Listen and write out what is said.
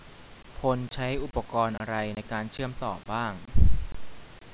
พลใช้อุปกรณ์อะไรในการเชื่อมต่อบ้าง